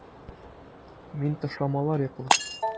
Мин ташламалар яклы.